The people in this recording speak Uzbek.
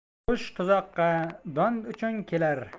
qush tuzoqqa don uchun kelar